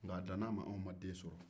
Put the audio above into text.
nka danna a ma anw ma den sɔrɔ